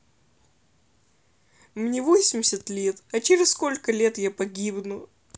мне восемьдесят лет а через сколько лет я погибну